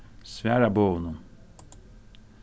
svara boðunum